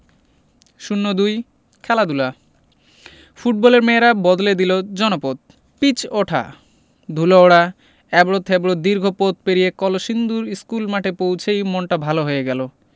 ০২ খেলাধুলা ফুটবলের মেয়েরা বদলে দিল জনপদ পিচ ওঠা ধুলো ওড়া এবড়োখেবড়ো দীর্ঘ পথ পেরিয়ে কলসিন্দুর স্কুলমাঠে পৌঁছেই মনটা ভালো হয়ে গেল